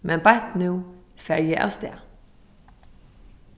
men beint nú fari eg avstað